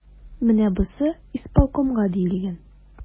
Менә бусы исполкомга диелгән.